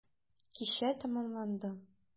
Кичә тәмамланды.